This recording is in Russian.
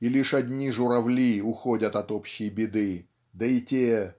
и лишь одни журавли уходят от общей беды да и те